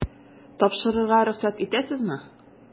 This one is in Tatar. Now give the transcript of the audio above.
Тапшырырга рөхсәт итәсезме? ..